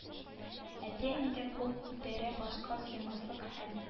Әти-әнигә кул күтәрә башка сыймаслык хәл